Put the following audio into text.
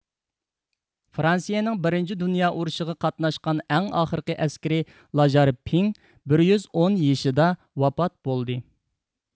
فرانسىيىنىڭ بىرىنچى دۇنيا ئۇرۇشىغا قاتناشقان ئەڭ ئاخىرقى ئەسكىرى لاژار پېڭ بىر يۈز ئون يېشىدا ۋاپات بولدى